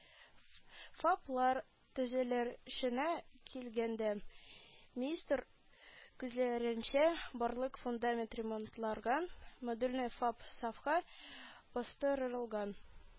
ФАПлар төзәрлешенә килгәндә, миистр күзләренчә, барлык фундамент ремонтланган, модульле ФАП сафка бастырылган